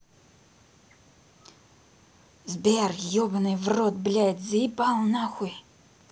сбер ебаный в рот блядь заебал нахуй